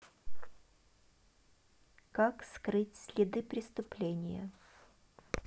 как скрыть следы преступления